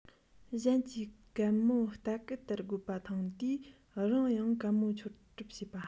གཞན གྱིས གད མོ རྟ གད ལྟར དགོད པ མཐོང དུས རང ཡང གད མོ འཆོར གྲབས བྱེད པ